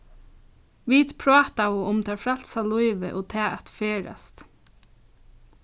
vit prátaðu um tað frælsa lívið og tað at ferðast